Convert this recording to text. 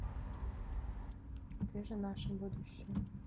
ты наше будущее